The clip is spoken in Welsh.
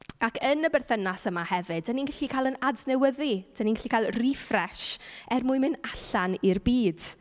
Ac yn y berthynas yma hefyd, dan ni'n gallu cael ein adnewyddu, dan ni'n gallu cael refresh er mwyn mynd allan i'r byd.